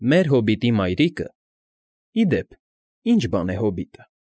Մեր հոբիտի մայրիկը… Ի դեպ, ի՞նչ բան է հոբիտը։